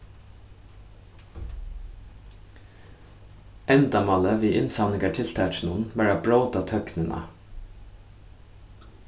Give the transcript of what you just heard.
endamálið við innsavningartiltakinum var at bróta tøgnina